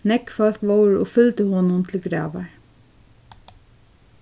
nógv fólk vóru og fylgdu honum til gravar